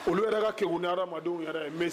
Olu yɛrɛ ka kɛ udenw yɛrɛ